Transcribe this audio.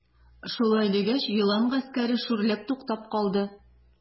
Шулай дигәч, елан гаскәре шүрләп туктап калды.